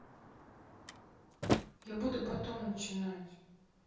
я буду потом начинать